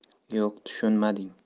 yo'q tushunmading